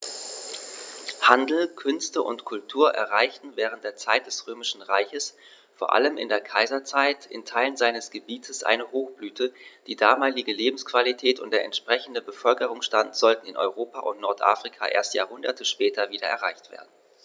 Handel, Künste und Kultur erreichten während der Zeit des Römischen Reiches, vor allem in der Kaiserzeit, in Teilen seines Gebietes eine Hochblüte, die damalige Lebensqualität und der entsprechende Bevölkerungsstand sollten in Europa und Nordafrika erst Jahrhunderte später wieder erreicht werden.